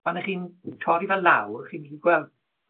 pan 'ych chi'n torri fe lawr, chi'n mynd i gweld,